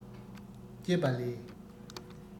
ཅེས པ ལས